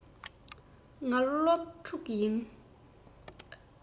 ང སློབ ཕྲུག ཡིན